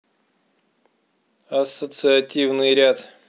ассоциативный ряд